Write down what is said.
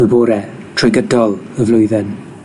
y bore trwy gydol y flwyddyn.